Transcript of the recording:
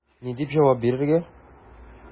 Ни дип җавап бирергә?